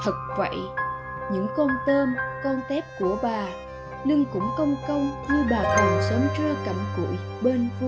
thật vậy những con tôm con tép của bà lưng cũng cong cong như bà còng sớm trưa cặm cụi bên vuông